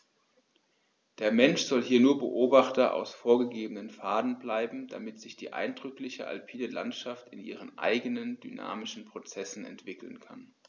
Der Mensch soll hier nur Beobachter auf vorgegebenen Pfaden bleiben, damit sich die eindrückliche alpine Landschaft in ihren eigenen dynamischen Prozessen entwickeln kann.